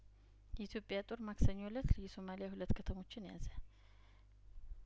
የኢትዮጵያ ጦር ማክሰኞ እለት የሶማሊያሁለት ከተሞችን ያዘ